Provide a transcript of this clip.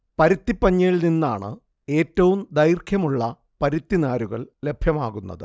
പരുത്തിപ്പഞ്ഞിയിൽ നിന്നാണ് ഏറ്റവും ദൈർഘ്യമുളള പരുത്തി നാരുകൾ ലഭ്യമാകുന്നത്